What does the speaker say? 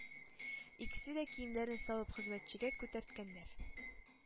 Икесе дә киемнәрен салып хезмәтчегә күтәрткәннәр.